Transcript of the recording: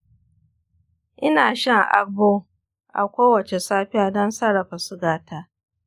ina shan agbo a kowace safiya don sarrafa sugata.